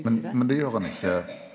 men men det gjer han ikkje.